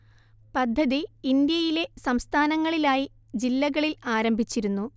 പദ്ധതി ഇന്ത്യയിലെ സംസ്ഥാനങ്ങളിലായി ജില്ലകളിൽ ആരംഭിച്ചിരുന്നു